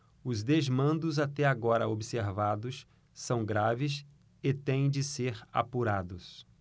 os desmandos até agora observados são graves e têm de ser apurados